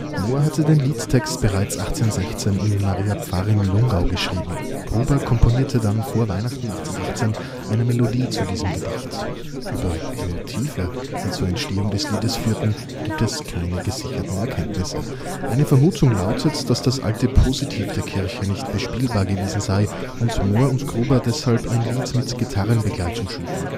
Mohr hatte den Liedtext bereits 1816 in Mariapfarr im Lungau geschrieben. Gruber komponierte dann vor Weihnachten 1818 eine Melodie zu diesem Gedicht. Über die Motive, die zur Entstehung des Liedes führten, gibt es keine gesicherten Erkenntnisse. Eine Vermutung lautet, dass das alte Positiv der Kirche nicht bespielbar gewesen sei und Mohr und Gruber deshalb ein Lied mit Gitarrenbegleitung schufen